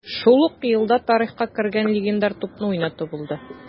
Шул ук елда тарихка кергән легендар тупны уйнату булды: